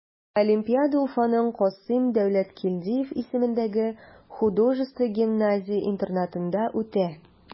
Олимпиада Уфаның Касыйм Дәүләткилдиев исемендәге художество гимназия-интернатында үтә.